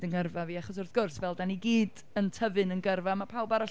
yng ngyrfa fi. Achos wrth gwrs, fel dan ni gyd yn tyfu’n ein gyrfa, mae pawb arall...